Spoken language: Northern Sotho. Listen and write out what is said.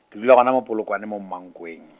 ke dula gona mo Polokwane, mo Mankweng.